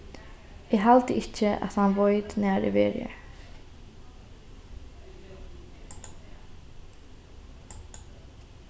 eg haldi ikki at hann veit nær eg verði har